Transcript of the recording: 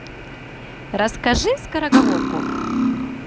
расскажи скороговорку